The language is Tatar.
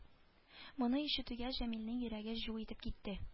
Моны ишетүгә җәмилнең йөрәге жу итеп китте